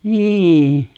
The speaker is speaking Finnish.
niin